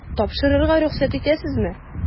Тапшырырга рөхсәт итәсезме? ..